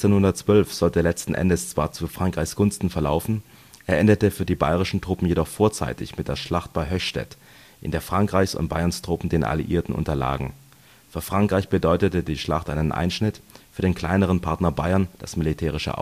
1712) sollte letzten Endes zwar zu Frankreichs Gunsten verlaufen, er endete für die bayerischen Truppen jedoch vorzeitig mit der Schlacht bei Höchstädt, in der Frankreichs und Bayerns Truppen den Alliierten unterlagen. Für Frankreich bedeutete die Schlacht einen Einschnitt, für den kleineren Partner Bayern das militärische